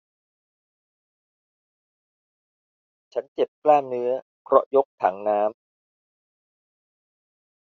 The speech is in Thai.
ฉันเจ็บกล้ามเนื้อเพราะยกถังน้ำ